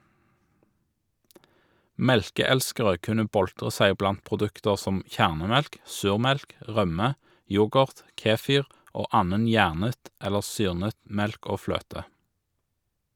Melkeelskere kunne boltre seg blant produkter som kjernemelk, surmelk, rømme, yoghurt, kefir og annen gjærnet eller syrnet melk og fløte.